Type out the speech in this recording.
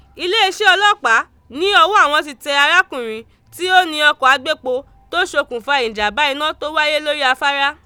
Ilé iṣẹ ọlọ́pàá ní ọwọ́ àwọn ti tẹ arákùnrin tí ó ni ọkọ̀ agbépo tó ṣokùnfà ìjàm̀bá iná tó wáyé lórí afárá.